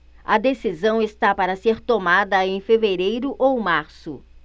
a decisão está para ser tomada em fevereiro ou março